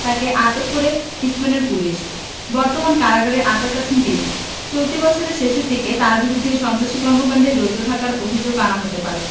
তাকে আটক করে স্পেনের পুলিশ বর্তমানে কারাগারে আটক আছেন তিনি চলতি বছরের শেষের দিকে তাঁর বিরুদ্ধে সন্ত্রাসী কর্মকাণ্ডে জড়িত থাকার অভিযোগ আনা হতে পারে